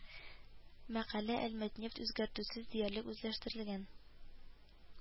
Мәкалә әлмәтнефть үзгәртүсез диярлек үзләштерелгән